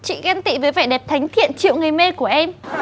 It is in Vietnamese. chị ghen tị với vẻ đẹp thánh thiện triệu người mê của em